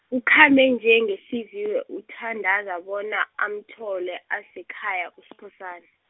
ukhamba nje ngehliziyo uthandaza bona amthole asekhaya Uskhosana.